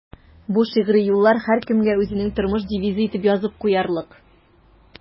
Бу шигъри юллар һәркемгә үзенең тормыш девизы итеп язып куярлык.